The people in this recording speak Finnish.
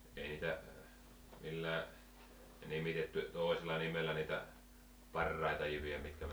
ei niitä millään nimitetty toisella nimellä niitä parhaita jyviä mitkä meni -